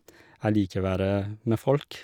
Jeg liker være med folk.